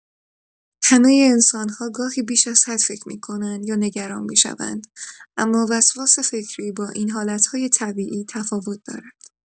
همه انسان‌ها گاهی بیش‌ازحد فکر می‌کنند یا نگران می‌شوند، اما وسواس فکری با این حالت‌های طبیعی تفاوت دارد.